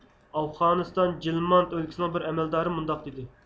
ئافغانىستان جېلماند ئۆلكىسىنىڭ بىر ئەمەلدارى مۇنداق دېدى